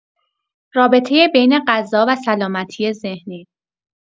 رابطه بین غذا و سلامتی ذهنی